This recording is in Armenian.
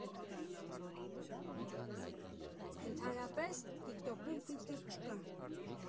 Ընդհանրապես, տիկ֊տոկում ֆիլտր չկա։